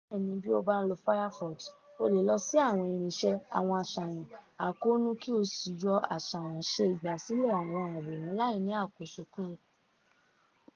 (Bẹ́ẹ̀ ni, bí o bá ń lo Firefox o lè lọ sí àwọn Irinṣẹ́ -> àwọn Àṣàyàn -> Àkóónú kí ó sì yọ àṣàyàn 'Ṣe ìgbàsílẹ̀ àwọn àwòrán láìní àkóso' kúrò.